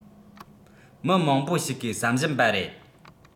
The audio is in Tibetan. མི མང པོ ཞིག གིས བསམ བཞིན པ རེད